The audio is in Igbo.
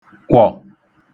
kwọ̀